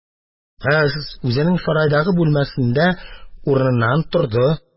Кыз үзенең сарайдагы бүлмәсендә урыныннан торды.